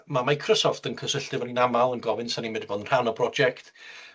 ###ma' Microsoft yn cysylltu efo ni'n amal yn gofyn 'sa ni'n medru bod yn rhan o brojec